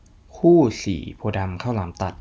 คู่สี่โพธิ์ดำข้าวหลามตัด